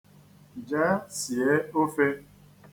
Jee, sie ofe.